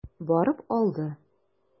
Барып алды.